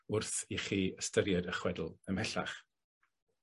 wrth i chi ystyried y chwedl ymhellach.